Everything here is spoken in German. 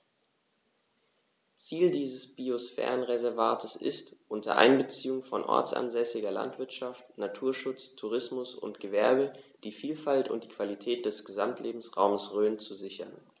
Ziel dieses Biosphärenreservates ist, unter Einbeziehung von ortsansässiger Landwirtschaft, Naturschutz, Tourismus und Gewerbe die Vielfalt und die Qualität des Gesamtlebensraumes Rhön zu sichern.